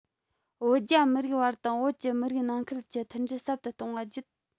བོད རྒྱ མི རིགས དབར དང བོད ཀྱི མི རིགས ནང ཁུལ གྱི མཐུན སྒྲིལ ཟབ ཏུ གཏོང བ བརྒྱུད